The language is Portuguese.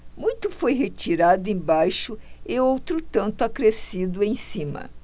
muito foi retirado embaixo e outro tanto acrescido em cima